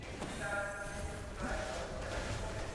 verklaarde minister van Buitenlandse Zaken Colin